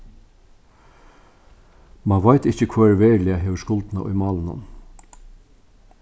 mann veit ikki hvør veruliga hevur skuldina í málinum